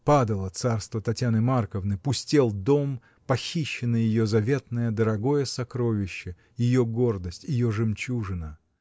Падало царство Татьяны Марковны, пустел дом, похищено ее заветное, дорогое сокровище, ее гордость, ее жемчужина!